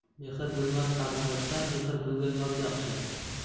mehr bilmas qarindoshdan mehr bilgan yot yaxshi